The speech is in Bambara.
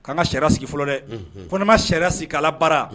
K'an ka sariya sigi fɔlɔ dɛ ko ne ma sariya sigi k' la baara